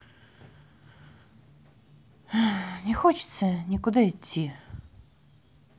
не хочется никуда идти